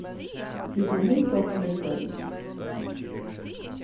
tit kunnu hitta okkum í kvøld